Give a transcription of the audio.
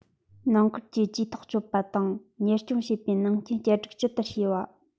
ནང ཁུལ གྱི ཇུས ཐག གཅོད པ དང གཉེར སྐྱོང བྱེད པའི ནང རྐྱེན བསྐྱར སྒྲིག ཇི ལྟར བྱས བ